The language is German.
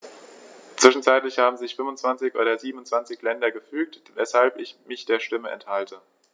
Zwischenzeitlich haben sich 25 der 27 Länder gefügt, weshalb ich mich der Stimme enthalte.